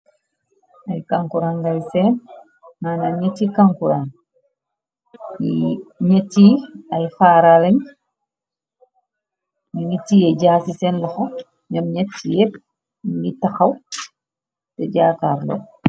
ay kankura ngay seen nana ñetti kankuran yi ñetci ay faaraalañ yi li tiye jaa ci seen loxo ñoom ñetci yépp nbi taxaw te jaakaar loo.